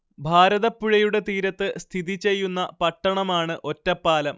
ഭാരതപ്പുഴയുടെ തീരത്ത് സ്ഥിതി ചെയ്യുന്ന പട്ടണമാണ് ഒറ്റപ്പാലം